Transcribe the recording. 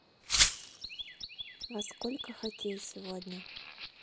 во сколько хоккей сегодня